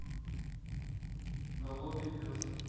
голодный пес